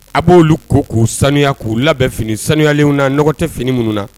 A b'olu ko, k'u saniya, k'u labɛn fini sanuyalen na nɔgɔ tɛ fini minnu na.